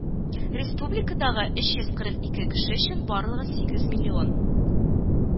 Республикадагы өч йөз кырык ике кеше өчен барлыгы сигез миллион